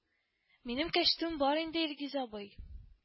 – минем кәчтүм бар инде, илгиз абый